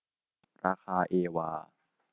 ราคาเอวา